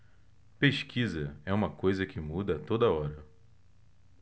pesquisa é uma coisa que muda a toda hora